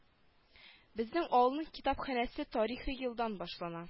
Безнең авылның китапханәсе тарихы елдан башлана